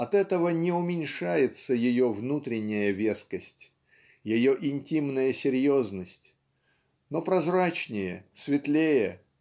От этого не уменьшается ее внутренняя вескость ее интимная серьезность но прозрачнее светлее